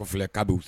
U filɛ k’a b’u